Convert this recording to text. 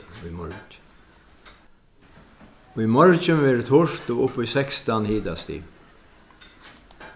í morgin verður turt og upp í sekstan hitastig